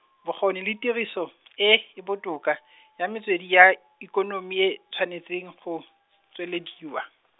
bokgoni le tiriso, e e botoka, ya metswedi ya, ikonomi e, tshwanetse go, tswelediwa .